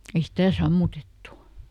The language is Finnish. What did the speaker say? ei sitä sammutettu